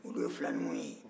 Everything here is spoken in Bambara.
olu ye fila numuw ye